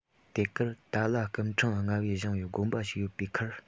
དེ གར ཏཱ ལ སྐུ ཕྲེང ལྔ པས བཞེངས པའི དགོན པ ཞིག ཡོད པའི ཁར